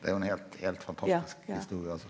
det er jo ein heilt heilt fantastisk historie altså.